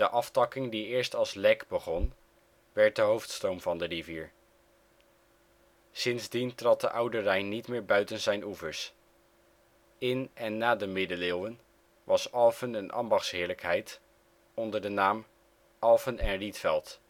aftakking die eerst als " Lek " begon, werd de hoofdstroom van de rivier. Sindsdien trad de Oude Rijn niet meer buiten zijn oevers. In en na de Middeleeuwen was Alphen een ambachtsheerlijkheid onder de naam Alphen en Rietveld